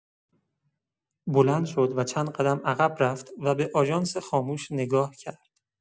بلند شد و چند قدم عقب رفت و به آژانس خاموش نگاه کرد.